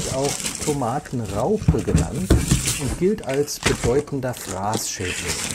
auch Tomatenraupe genannt und gilt als bedeutender Fraßschädling